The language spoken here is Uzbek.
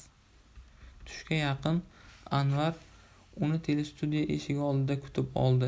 tushga yaqin anvar uni telestudiya eshigi oldida kutib oldi